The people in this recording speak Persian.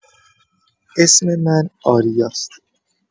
اسم من آریاست.